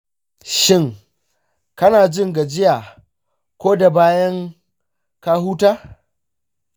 shin kana jin gajiya koda bayan ka huta?